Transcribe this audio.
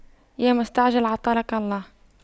يا مستعجل عطلك الله